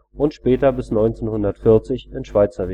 und später bis 1940 in Schweizer